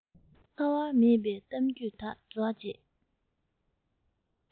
ཁ བ མེད པའི གཏམ རྒྱུད དག རྗོགས རྗེས